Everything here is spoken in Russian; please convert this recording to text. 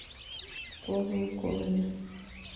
уколы уколами